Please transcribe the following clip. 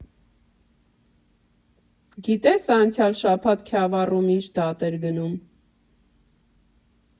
Գիտե՞ս անցյալ շաբաթ Քյավառում ինչ դատ էր գնում։